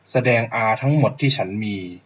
แสดงอาทั้งหมดที่ฉันมี